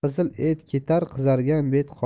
qizil et ketar qizargan bet qolar